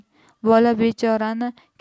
bola bechorani